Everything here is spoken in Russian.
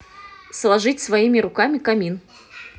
сложить своими руками камин